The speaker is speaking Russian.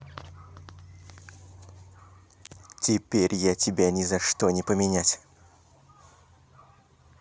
теперь я тебя не за что не поменять